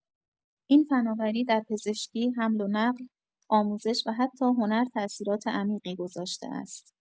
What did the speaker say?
این فناوری در پزشکی، حمل‌ونقل، آموزش و حتی هنر تاثیرات عمیقی گذاشته است.